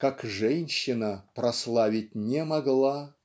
как женщина прославить не могла".